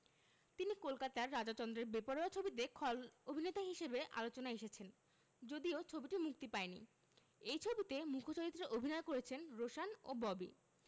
যিনি কলকাতার রাজা চন্দের বেপরোয়া ছবিতে খল অভিননেতা হিসেবে আলোচনায় এসেছেন যদিও ছবিটি মুক্তি পায়নি এই ছবিতে মূখ চরিত্রে অভিনয় করছেন রোশান ও ববি